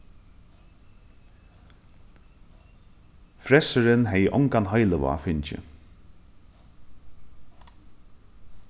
fressurin hevði ongan heilivág fingið